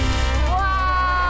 goa